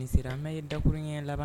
Misi an ye dakurun ye laban